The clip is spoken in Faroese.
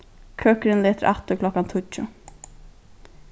køkurin letur aftur klokkan tíggju